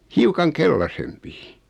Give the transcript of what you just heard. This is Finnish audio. hiukan keltaisempi